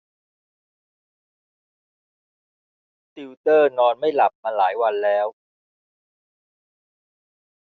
ติวเตอร์นอนไม่หลับมาหลายวันแล้ว